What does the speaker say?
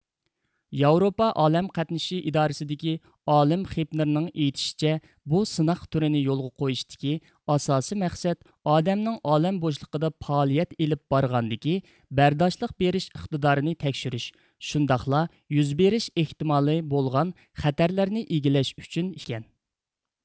ياۋروپا ئالەم قاتنىشى ئىدارىسىدىكى ئالىم خېپنېرنىڭ ئېيتىشىچە بۇ سىناق تۈرىنى يولغا قويۇشتىكى ئاساسىي مەقسەت ئادەمنىڭ ئالەم بوشلۇقىدا پائالىيەت ئېلىپ بارغاندىكى بەرداشلىق بېرىش ئىقتىدارىنى تەكشۈرۈش شۇنداقلا يۈز بېرىش ئېھتىمالى بولغان خەتەرلەرنى ئىگىلەش ئۈچۈن ئىكەن